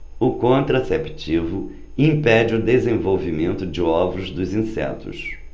o contraceptivo impede o desenvolvimento de ovos dos insetos